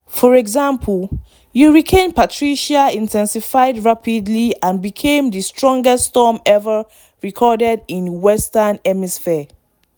For example, Hurricane Patricia intensified rapidly and became the strongest storm ever recorded in the Western Hemisphere.